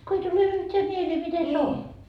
kun ei tule yhtään mieleen miten se on